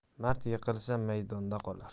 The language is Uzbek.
mard yiqilsa maydonda qolar